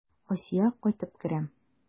Асия кайтып керә.